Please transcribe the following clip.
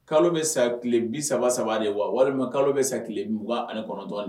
Kalo bɛ sa tile bi saba saba de ye wa walima kalo bɛ sa tile bugan ani kɔnɔtɔ la